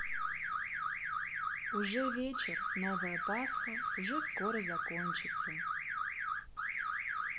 уже вечер новая пасха уже скоро закончится